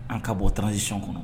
An ka bɔ tranzsisi kɔnɔ